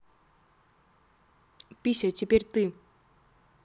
пися теперь ты